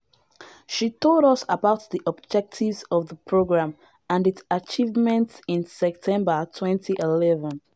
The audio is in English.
She told us about the objectives of the programme and its achievements in September 2011.